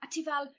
a ti fel